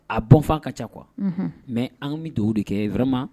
A bɔnfan ka ca qu mɛ an bɛ don de kɛ wɛrɛ ma